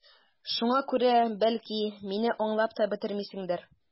Шуңа күрә, бәлки, мине аңлап та бетермисеңдер...